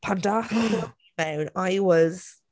Pan daeth hwnnw i mewn I was...